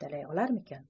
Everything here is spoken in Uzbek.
uddalay olarmikan